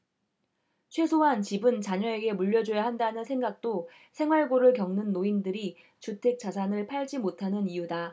최소한 집은 자녀에게 물려줘야 한다는 생각도 생활고를 겪는 노인들이 주택 자산을 팔지 못하는 이유다